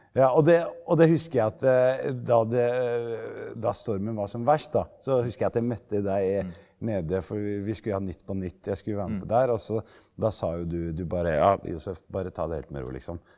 ja og det og det husker jeg at da det da stormen var som verst da så husker jeg at jeg møtte deg nede for vi skulle ha Nytt på nytt jeg skulle være med på der også da sa jo du du bare ja Yousef bare ta det helt med ro liksom.